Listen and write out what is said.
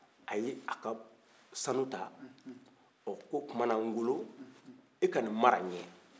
a ye a ka sanu ta ɔ ko o tuma na ngolo e ka nin mara in ye